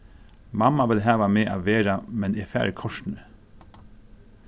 mamma vil hava meg at vera men eg fari kortini